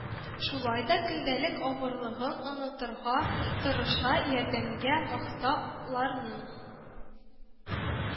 Шулай да, көндәлек авырлыгын онытырга тырыша, ярдәмгә мохта ларның